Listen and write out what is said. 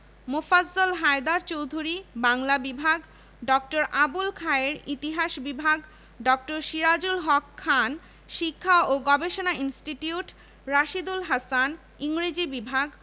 মোফাজ্জল হায়দার চৌধুরী বাংলা বিভাগ ড. আবুল খায়ের ইতিহাস বিভাগ ড. সিরাজুল হক খান শিক্ষা ও গবেষণা ইনস্টিটিউট রাশীদুল হাসান ইংরেজি বিভাগ